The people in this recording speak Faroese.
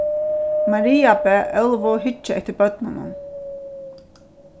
maria bað óluvu hyggja eftir børnunum